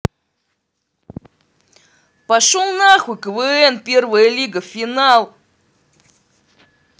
пошел нахуй квн первая лига финал